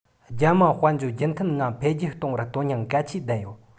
རྒྱལ དམངས དཔལ འབྱོར རྒྱུན མཐུད ངང འཕེལ རྒྱས གཏོང བར དོན སྙིང གལ ཆེན ལྡན ཡོད